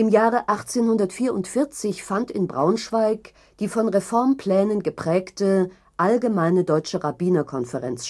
Jahre 1844 fand in Braunschweig die von Reformplänen geprägte „ Allgemeine deutsche Rabbinerkonferenz